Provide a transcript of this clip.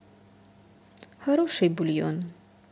хороший бульон